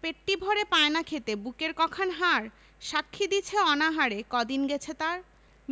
পেটটি ভরে পায় না খেতে বুকের ক খান হাড় সাক্ষী দিছে অনাহারে কদিন গেছে তার